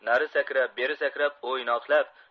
nari sakrab beri sakrab o'ynoqlab